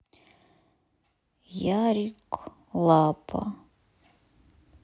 ярик лапа